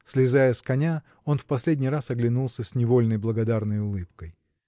Слезая с коня, оп в последний раз оглянулся с невольной благодарной улыбкой.